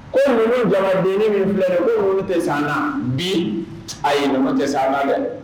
Ko nunnu jamadennin min filɛ nin ye ko olu te s'an na bi ayi nunnu te s'an na dɛ